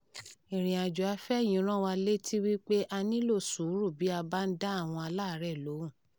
Ìrìnàjò afẹ́ yìí rán wa létí wípé a nílòo sùúrù bí a bá ń dá àwọn aláàárẹ̀ lóhùn.